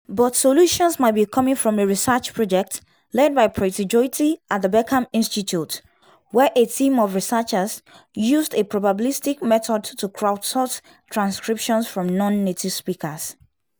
But solutions might be coming from a research project led by Preethi Jyothi at the Beckman Institute, where a team of researchers used a probabilistic method to crowdsource transcriptions from non-native speakers.